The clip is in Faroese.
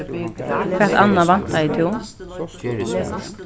hvat annað væntaði tú